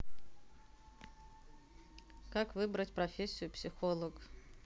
как выбрать профессию психолог